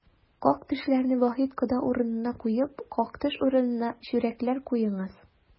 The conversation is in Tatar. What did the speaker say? Как-төшләрне Вахит кода урынына куеп, как-төш урынына чүрәкләр куеңыз!